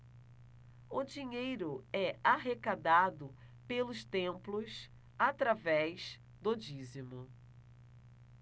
o dinheiro é arrecadado pelos templos através do dízimo